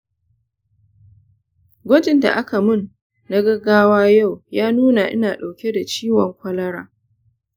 gwajin da akamun na gagawa yau ya nuna ina dauke da ciwon kwalara.